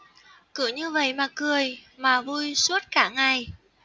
cứ như vậy mà cười mà vui suốt cả ngày